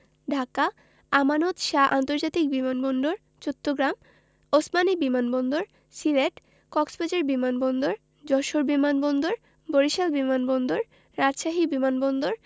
ঢাকা আমানত শাহ্ আন্তর্জাতিক বিমান বন্দর চট্টগ্রাম ওসমানী বিমান বন্দর সিলেট কক্সবাজার বিমান বন্দর যশোর বিমান বন্দর বরিশাল বিমান বন্দর রাজশাহী বিমান বন্দর